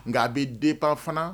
Nka a bɛ den pan fana